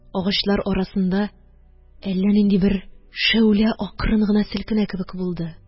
Агачлар арасында әллә нинди бер шәүлә акрын гына селкенә кебек булды.